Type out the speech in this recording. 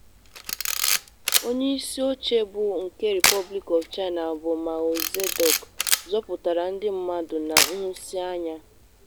Onyeisi oche mbụ nke Republic of China bụ Mao Zedong zọpụtara ndị mmadụ na nhụsianya.